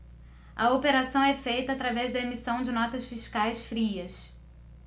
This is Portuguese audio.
a operação é feita através da emissão de notas fiscais frias